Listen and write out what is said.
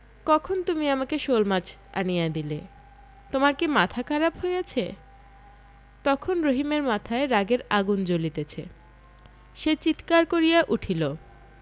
কখন তুমি আমাকে শোলমাছ আনিয়া দিলে তোমার কি মাথা খারাপ হইয়াছে তখন রহিমের মাথায় রাগের আগুন জ্বলিতেছে সে চিৎকার করিয়া উঠিল